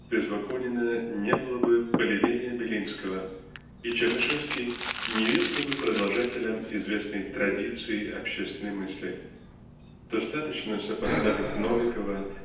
Без Бакунина не было бы "полевения" Белинского и Чернышевский не явился бы продолжателем известной традиции общественной мысли. Достаточно сопоставить Новикова